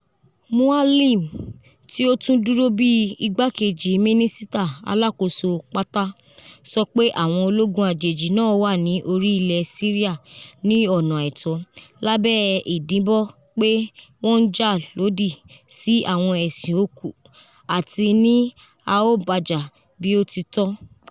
Moualem, ti o tun duro bii igbakeji minisita alakoso pata, sọpe awọn ologun ajeji naa wa ni ori ilẹ Siria ni ọna aitọ, labẹ idinbọn pe wọn n ja lodi si awọn ẹṣin-o-ku, ati “ni a o baja bi o ti tọ.”